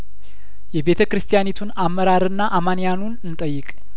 የቤተ ክርስቲያኒቱን አመራርና አማን ያኑን እንጠይቅ